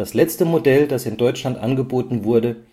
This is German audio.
letzte Modell, das in Deutschland angeboten wurde